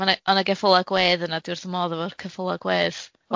Ma' 'na o' 'na geffyla gwedd yna, dwi wrth fy modd efo'r ceffyla gwedd.